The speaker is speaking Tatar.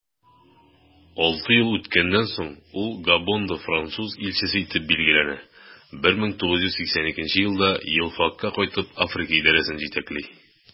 Алты ел үткәннән соң, ул Габонда француз илчесе итеп билгеләнә, 1982 елда Elf'ка кайтып, Африка идарәсен җитәкли.